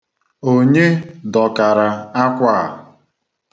Onye dọkara akwa a?